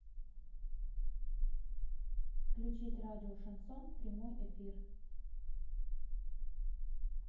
включить радио шансон прямой эфир